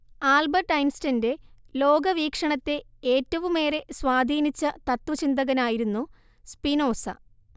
Albert ഐൻസ്റ്റൈന്റെ ലോകവീക്ഷണത്തെ ഏറ്റവുമേറെ സ്വാധീനിച്ച തത്ത്വചിന്തകനായിരുന്നു സ്പിനോസ